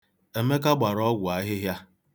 Emeka gbara ọgwụ ahịhịa.